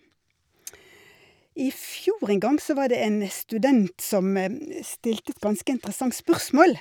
I fjor en gang så var det en student som stilte et ganske interessant spørsmål.